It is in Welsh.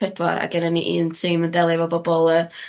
pedwar a gennyn ni un tîm yn delio efo bobol yy